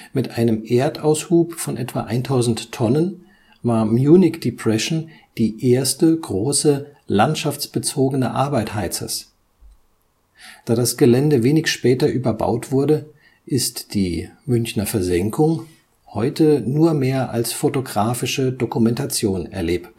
Mit einem Erdaushub von etwa 1.000 Tonnen war Munich Depression die erste große landschaftsbezogene Arbeit Heizers. Da das Gelände wenig später überbaut wurde, ist die Münchner Versenkung heute nur mehr als photographische Dokumentation erlebbar